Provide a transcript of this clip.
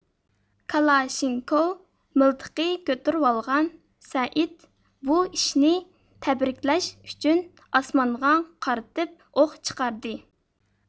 كالاشنكوۋ مىلتىقى كۆتۈرۈۋالغان سەئىد بۇ ئىشنى تەبرىكلەش ئۈچۈن ئاسمانغا قارىتىپ ئوق چىقاردى